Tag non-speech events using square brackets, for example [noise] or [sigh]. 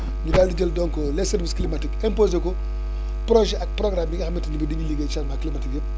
ñu [noise] daal di jël donc les services climatiques imposé ko [breath] projet ak programme yi nga xamante ne bii dañuy liggéey changement climatique yëpp